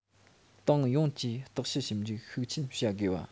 ཏང ཡོངས ཀྱིས བརྟག དཔྱད ཞིབ འཇུག ཤུགས ཆེན བྱ དགོས པ